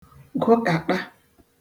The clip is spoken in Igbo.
gụkàṭa